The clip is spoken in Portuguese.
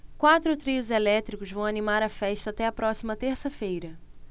quatro trios elétricos vão animar a festa até a próxima terça-feira